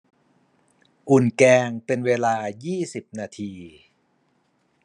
อุ่นแกงเป็นเวลายี่สิบนาที